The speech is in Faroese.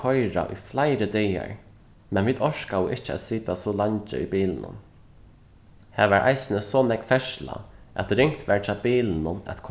koyra í fleiri dagar men vit orkaðu ikki at sita so leingi í bilinum har var eisini so nógv ferðsla at ringt var hjá bilunum at